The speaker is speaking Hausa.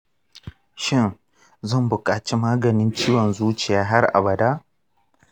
shin, zan buƙaci maganin ciwon zuciya har abada?